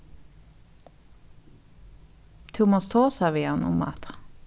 tú mást tosa við hann um hatta